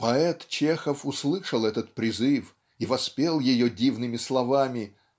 Поэт Чехов услышал этот призыв и воспел ее дивными словами